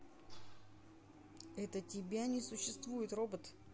это тебя не существует робот